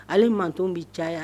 Ale man bɛ caya